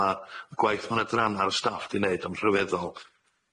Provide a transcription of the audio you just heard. Ma y gwaith ma' 'na dranna'r staff 'di neud yn rhyfeddol.